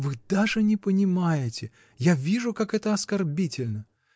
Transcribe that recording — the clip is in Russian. — Вы даже не понимаете, я вижу, как это оскорбительно!